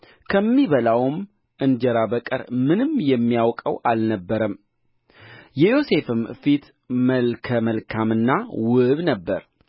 ለዚህ ቤት ከእኔ የሚበልጥ ሰው የለም ሚስቱ ስለ ሆንሽ ከአንቺም በቀር ያልሰጠኝ ነገር የለም እንዴት ይህን ትልቅ ክፉ ነገር አደርጋለሁ በእግዚአብሔር ፊት እንዴት ኃጢአትን እሠራለሁ